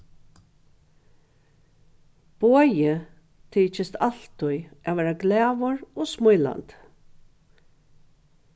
bogi tykist altíð at vera glaður og smílandi